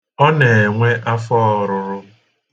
Ọ na-enwe afọ ọrụrụ.